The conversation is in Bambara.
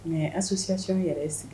U ye association yɛrɛ sigi